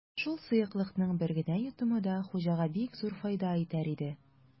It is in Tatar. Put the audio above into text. Шул сыеклыкның бер генә йотымы да хуҗага бик зур файда итәр иде.